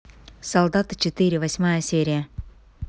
солдаты четыре восьмая серия